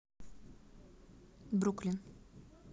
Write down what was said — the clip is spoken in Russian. бруклин